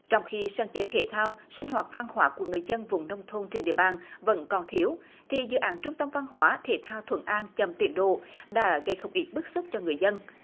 trong khi sân chơi thể thao sinh hoạt văn hóa của người dân vùng nông thôn trên địa bàn vẫn còn thiếu thì dự án trung tâm văn hóa thể thao thuận an chậm tiến độ đã gây không ít bức xúc cho người dân